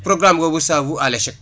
programme boobu ça voue à l' échec